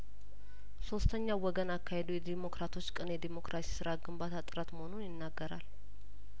ሶስተኛው ወገን አካሄዱ የዴሞክራቶች ቅን የዴሞክራሲያዊ ስርአት ግንባታ ጥረት መሆኑን ይናገራል